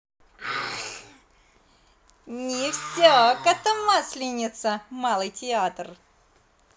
не все коту масленица малый театр